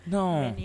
Don